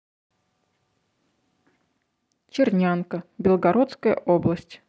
чернянка белгородская область